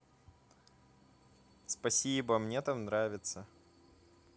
спасибо мне там нравится